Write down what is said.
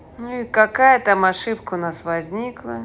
какая там ошибка у вас возникла